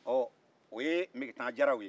ɔɔ o ye megetan jaraw ye